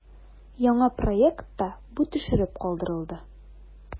Яңа проектта бу төшереп калдырылды.